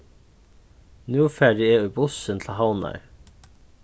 nú fari eg í bussin til havnar